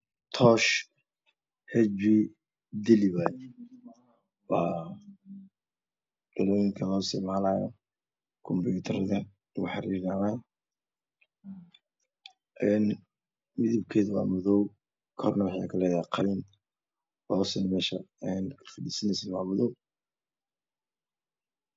Tooth waa qaloyinka loo isticmalyo kumpoitarada lgu xaririnayo waaye midapkeedu waa madow korna waxey kaleedahy qalin hoosna meesha ey fadhisaneeso wa madow